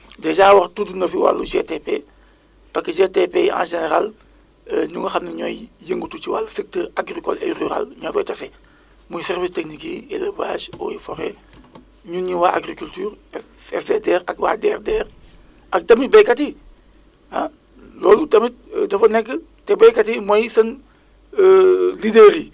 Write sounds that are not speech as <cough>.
dèjà wax tudd na fi wàllu GTP parce que GTP yi en général <hesitation> ñu nga xam ne ñooy yëngatu si wàllu secteur agricole et rural ñoo fay tase muy service technique yi élevage eaux et forêt <noise> ñun ñu waa agriculture SDDR ak waa DRDR ak tamit béykat yi ah loolu tamit <hesitation> dafa nekk te béykat yi mooy seen <hesitation> leaders yi